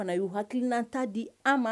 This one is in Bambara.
Fana y'u ha hakilikilinata di an ma